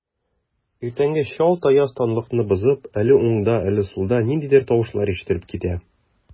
Иртәнге чалт аяз тынлыкны бозып, әле уңда, әле сулда ниндидер тавышлар ишетелеп китә.